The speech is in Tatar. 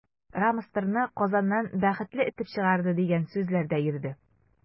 “рамстор”ны казаннан “бәхетле” этеп чыгарды, дигән сүзләр дә йөрде.